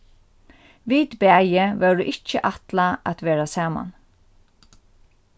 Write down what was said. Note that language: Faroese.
vit bæði vóru ikki ætlað at verða saman